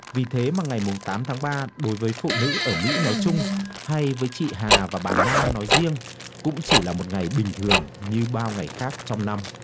vì thế mà ngày mùng tám tháng ba đối với phụ nữ ở mỹ nói chung hay với chị hà và bà na nói riêng cũng chỉ là một ngày bình thường như bao ngày khác trong năm